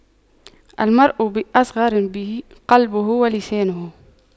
المرء بأصغريه قلبه ولسانه